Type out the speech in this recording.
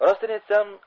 rostini aytsam